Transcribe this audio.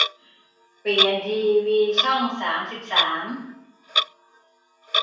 เปลี่ยนทีวีช่องสามสิบสาม